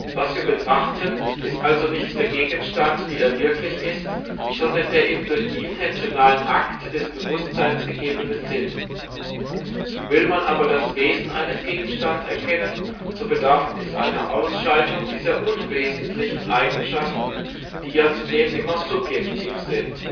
Was wir betrachten, ist also nicht der Gegenstand, wie er wirklich ist, sondern der ihm durch die intentionalen Akte des Bewusstseins gegebene Sinn. Will man aber das Wesen eines Gegenstandes erkennen, so bedarf es einer Ausschaltung dieser " unwesentlichen " Eigenschaften, die ja zudem immer subjektiv sind